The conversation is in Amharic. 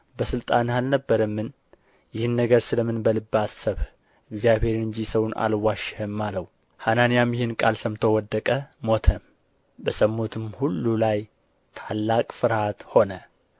በሥልጣንህ አልነበረምን ይህን ነገር ስለ ምን በልብህ አሰብህ እግዚአብሔርን እንጂ ሰውን አልዋሸህም አለው ሐናንያም ይህን ቃል ሰምቶ ወደቀ ሞተም በሰሙትም ሁሉ ላይ ታላቅ ፍርሃት ሆነ